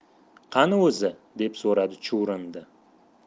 qani o'zi deb so'radi chuvrindi